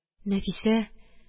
Нәфисә